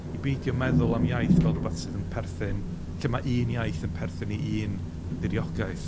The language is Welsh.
i beidio meddwl am iaith fel rhwbath sydd yn perthyn, lle ma' un iaith yn perthyn i un diriogaeth.